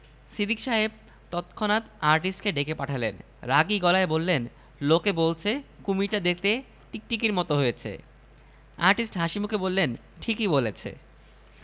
সিদ্দিক সাহেব তৎক্ষণাৎ আর্টিস্টকে ডেকে পাঠালেন রাগী গলায় বললেন লোকে বলছে কুমীরটা দেখতে টিকটিকির মত হয়েছে আর্টিস্ট হাসিমুখে বললেন ঠিকই বলছে